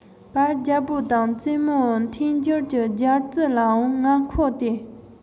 བར རྒྱལ པོ དང བཙུན མོའི མཐུན སྦྱོར གྱི སྦྱར རྩི ལའང ང མཁོ སྟེ